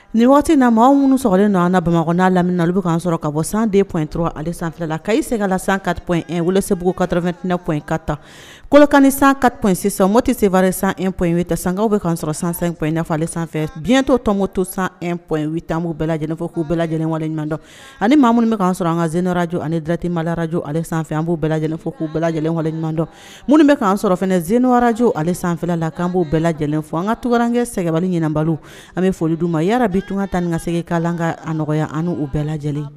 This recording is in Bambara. Nin waati na maaw minnu sɔrɔlen na bamakɔ'a lamini na olu bɛ'an sɔrɔ ka bɔ sanden p dɔrɔn ale santila ka i se ka la san katip in wolo se b' katara2tinɛp in ka tan kɔlɔkani san ka in sisan o tɛ sere san ep in ta san bɛ ka kan sɔrɔ sanp infa sanfɛ bitɔ tɔnongo to sanp tan n'u bɛɛ lajɛlenfɔ k'u bɛɛ lajɛlenwaleɲumantɔ ani maa minnu bɛ ka kan sɔrɔ an ka zeraj ani datimalaraj ale sanfɛfɛ an b' bɛɛ lajɛlenfɔ k'u bɛɛ lajɛlenwale ɲumantɔ minnu bɛ k'an sɔrɔ fana zeinawaraj ale sanfɛfɛla k an b'u bɛɛ lajɛlen fo an ka tuurankɛ sɛbali ɲinan balo an bɛ foli duman ma yala bi tun ka tan ni ka segin k' ka a nɔgɔya ani'u bɛɛ lajɛlen